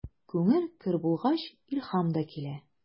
Күңел көр булгач, илһам да килә.